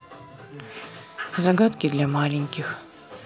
загадки для маленьких